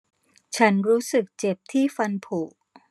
ฉันรู้สึกเจ็บที่ฟันผุ